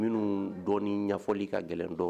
Minnu dɔ ni ɲɛfɔli ka gɛlɛn dɔɔ